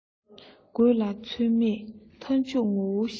དགོད ལ ཚོད མེད མཐའ མཇུག ངུ བའི གཞི